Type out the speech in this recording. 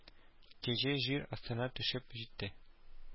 Кәҗә җир астына төшеп җитте